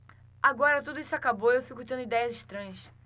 agora tudo isso acabou e eu fico tendo idéias estranhas